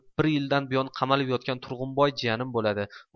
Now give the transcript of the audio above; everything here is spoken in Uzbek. bir yildan buyon qamalib yotgan turg'unboy jiyanim bo'ladi